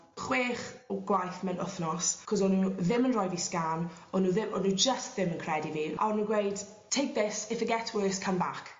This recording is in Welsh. chwech w- gwaith mewn wthnos 'c'os o'n n'w ddim yn roi fi sgan o'n n'w ddim o' n'w jyst ddim yn credu fi a o'n n'w gweud take this if it gets worse come back.